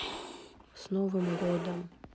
с новым годом